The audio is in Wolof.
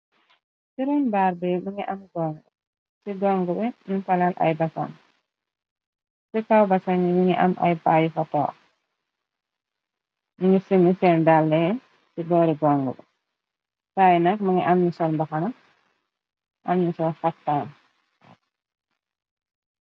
Ci roon baar bi më nga am gong ci gong bi ñu falaal ay basan ci kaw basani yingi am ay payu fatoox ñunu simi feen dallee ci boori gong bi taayi nak më nga am ñu sol mbaxana am ñu sol xaftaan.